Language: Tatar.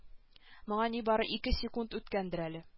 Моңа нибары ике секунд үткәндер әле